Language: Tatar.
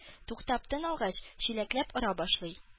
Туктап тын алгач, чиләкләп ора башлый